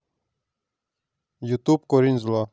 ютуб корень зла